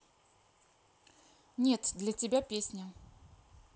нет для тебя песня